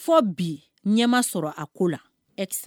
Fɔ bi ɲɛ ma sɔrɔ a ko la